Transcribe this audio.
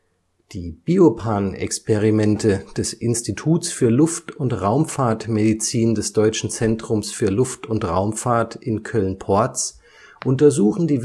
Die BIOPAN-Experimente des Instituts für Luft - und Raumfahrtmedizin des Deutschen Zentrums für Luft - und Raumfahrt in Köln-Porz untersuchen die